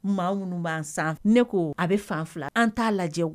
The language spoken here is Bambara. Maa minnu b'an san ne ko a bɛ fan fila an t'a lajɛ